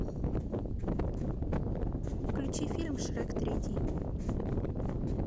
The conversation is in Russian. включи фильм шрек третий